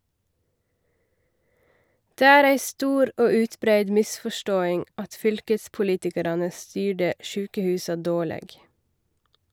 Det er ei stor og utbreidd misforståing at fylkespolitikarane styrde sjukehusa dårleg.